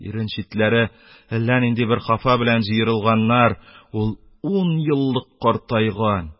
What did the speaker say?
Ирен читләре әллә нинди бер хафа белән җыерылганнар, ул ун еллык картайган;